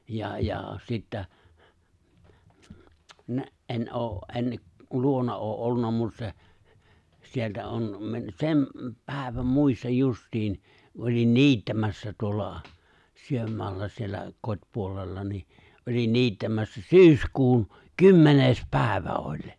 ja ja sitä en ole en luona ole - ollut mutta se sieltä on - sen päivän muistan justiin olin niittämässä tuolla sydänmaalla siellä kotipuolella niin olin niittämässä syyskuun kymmenes päivä olin